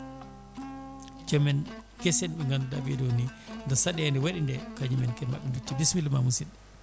joomen guesen ɓe ganduɗa ɓeeɗo ni nde saaɗede waɗi nde kañum koye mabɓe dutti bisimillama musidɗo